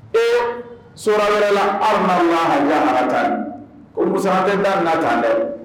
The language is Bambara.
Ee ko Musa an tɛ da ni la tan dɛ!